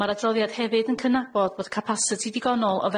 Ma'r adroddiad hefyd yn cynabod bod capasiti digonol o